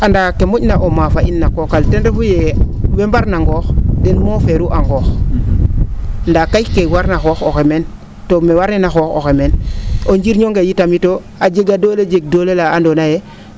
anda ke mo?na o maafa in na qooq ale ten refu yee wee mbarna nqoox den moofeeru a nqoox ndaa kay kee warna xoox oxey meen to mee wareena o xoox oxey meen o njirñ onge itamito a jega doole jeg doole la andoona yee